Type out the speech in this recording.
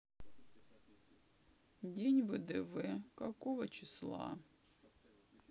день вдв какого числа